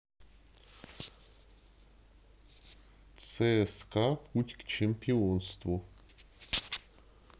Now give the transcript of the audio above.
цска путь к чемпионству